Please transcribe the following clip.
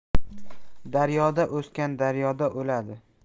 daryoda o'sgan daryoda o'ladi